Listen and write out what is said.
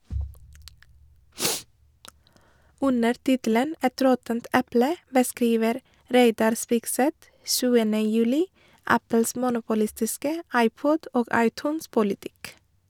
Under tittelen «Et råttent eple » beskriver Reidar Spigseth 7. juli Apples monopolistiske iPod- og iTunes-politikk.